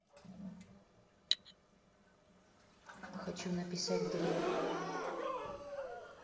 хочу написать дрим